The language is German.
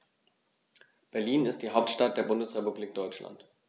Berlin ist die Hauptstadt der Bundesrepublik Deutschland.